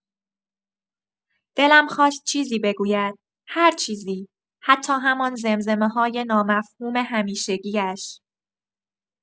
دلم خواست چیزی بگوید، هر چیزی، حتی همان زمزمه‌های نامفهوم همیشگی‌اش.